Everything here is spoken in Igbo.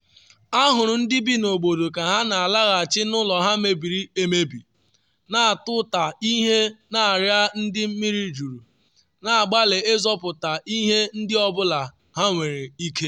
Ahụrụ ndị bi n’obodo ka ha na-alaghachi n’ụlọ ha mebiri emebi, na-atụta ihe n’arịa ndị mmiri juru, na-agbalị ịzọpụta ihe ndị ọ bụla ha nwere ike.